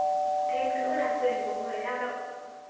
thêm nữa là quyền của người lao động